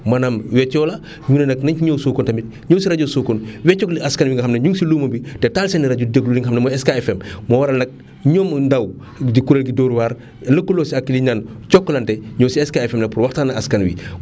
maanaam weccoo la mu ne nag nñu ñëw sokone tamit ñëw si rajo Sokone weccoog askan wi nga xm ne ñu ngi si luuma bi te taal seen i rajo di déglu li nga xam ne mooy SK FM moo waral nag ñoom Ndao di kuréel gi Dóor waar lëkkaloo si ak liñu naan Jokalante ñëw si SK FM nag pour waxtaan ak askan wi